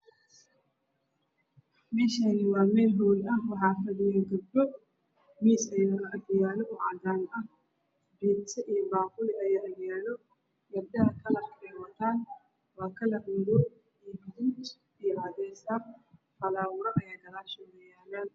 Meeshaan waa meel hool ah waxaa fadhiyo gabdho miis ayay ku fadhiyaan . Biidso iyo baaquli ayaa agyaalo. Gabdhaha kalarka ay wataan waa madow iyo gaduud iyo cadeys. Falaawaro ayaa gadaashooda yaalo.